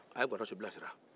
a ye gɔdɔsi bilasira